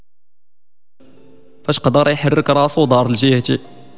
بس قطار يحرك راسه دار